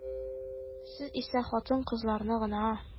Сез исә хатын-кызларны гына.